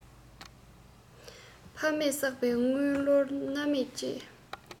ཕ མས བསགས པའི དངུལ ལོར སྣང མེད སྤྱོད